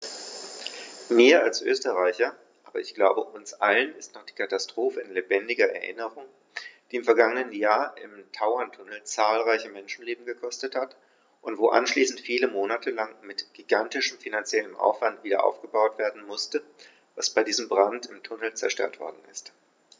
Mir als Österreicher, aber ich glaube, uns allen ist noch die Katastrophe in lebendiger Erinnerung, die im vergangenen Jahr im Tauerntunnel zahlreiche Menschenleben gekostet hat und wo anschließend viele Monate lang mit gigantischem finanziellem Aufwand wiederaufgebaut werden musste, was bei diesem Brand im Tunnel zerstört worden ist.